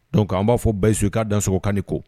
Don' an b'a fɔ bɛɛso ka da sogokan ko